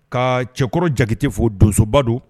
Ka Cɛkɔrɔ Jakite fo donsoba don